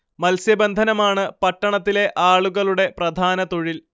മത്സ്യബന്ധനമാണ് പട്ടണത്തിലെ ആളുകളുടെ പ്രധാന തൊഴിൽ